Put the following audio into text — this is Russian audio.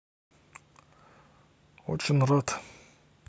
очень рад